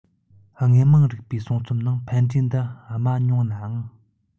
དངོས མང རིག པའི གསུང རྩོམ ནང ཕན འབྲས འདི སྨྲ མྱོང ནའང